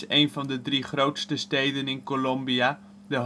een van de drie grootste steden in Colombia, de